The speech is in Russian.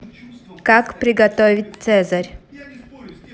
как приготовить цезарь